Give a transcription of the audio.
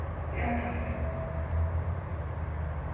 ja takk